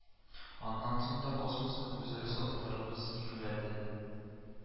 Аннан соң да космосны гүзәл затларыбыз иңләде